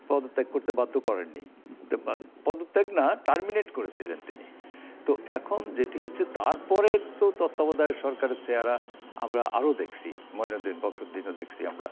পদত্যাগ করতে বাধ্য করেনি পদত্যাগ না টারমিনেট করেছিলেন তিনি তো এখন যেটি হচ্ছে তার পরের তো তত্ত্বাবধায়ক সরকারের চেহারা আমরা আরো দেখেছি মইনউদ্দিন ফখরুদ্দিন দেখেছি আমরা